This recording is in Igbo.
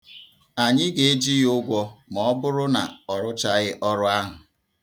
Anyị ga-eji ya ụgwọ ma ọ bụrụ na ọ rụchaghị ọrụ ahụ.